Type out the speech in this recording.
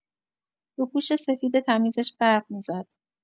روپوش‌سفید تمیزش برق می‌زد.